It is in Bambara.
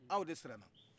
aw de siranna